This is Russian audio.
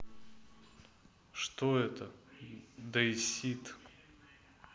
что это deicide